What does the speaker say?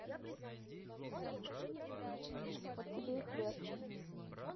вот тебе и хлеб